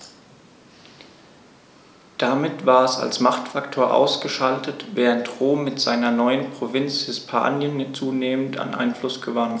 Damit war es als Machtfaktor ausgeschaltet, während Rom mit seiner neuen Provinz Hispanien zunehmend an Einfluss gewann.